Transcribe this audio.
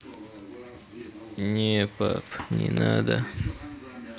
нет пап не надо